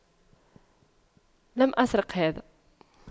لم أسرق هذا